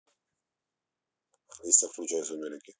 алиса включи сумерки